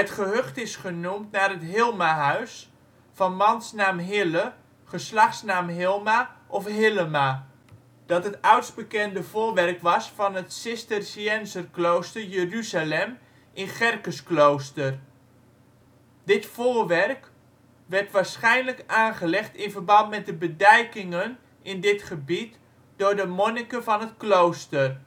gehucht is genoemd naar het Hilmahuis (van mansnaam Hille, geslachtsnaam Hilma of Hillema), dat het oudst bekende voorwerk was van het Cisterciënzerklooster Jeruzalem in Gerkesklooster. Dit voorwerk werd waarschijnlijk aangelegd in verband met de bedijkingen in dit gebied door de monniken van het klooster